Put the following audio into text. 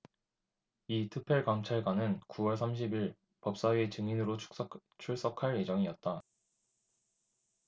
이 특별감찰관은 구 월 삼십 일 법사위에 증인으로 출석할 예정이었다